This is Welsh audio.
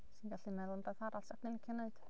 Ti'n gallu meddwl am rywbeth arall 'sa chdi'n licio wneud.